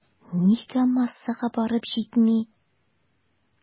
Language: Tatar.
Нигә массага барып җитми?